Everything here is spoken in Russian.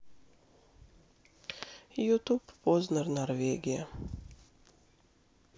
ютуб познер норвегия